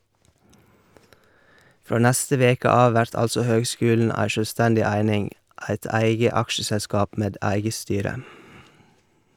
Frå neste veke av vert altså høgskulen ei sjølvstendig eining, eit eige aksjeselskap med eige styre.